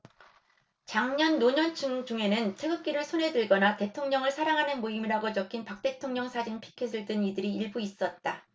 장년 노년층 중에는 태극기를 손에 들거나 대통령을 사랑하는 모임이라고 적힌 박 대통령 사진 피켓을 든 이들이 일부 있었다